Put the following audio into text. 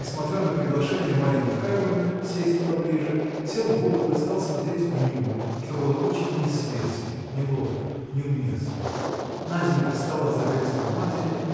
несмотря на приглашение Марьи Михайловны – сесть поближе сел в угол и стал смотреть в книгу что было очень не светски неловко неуместно. Наденька стала за креслом матери